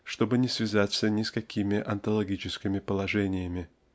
чтобы не связаться ни с какими онтологическими положениями.